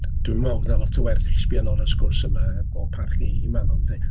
Dwi'm yn meddwl fod 'na lot o werth i chi sbio nôl ar y sgwrs yma, pob parch i i Manon 'lly.